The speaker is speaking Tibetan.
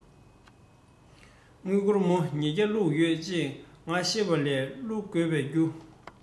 དངུལ སྒོར མོ ཉི བརྒྱ བླུག ཡོད ཞེས ང ཞེས པ ལས བླུག དགོས པའི རྒྱུ